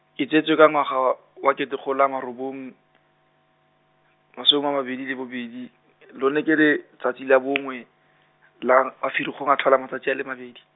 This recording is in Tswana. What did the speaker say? ke tsetswe ka ngwaga wa, wa kete kgolo a mma robong, masome a mabedi le bobedi , lone ke letsatsi la bongwe, la, a Ferikgong a tlhola matsatsi a le mabedi.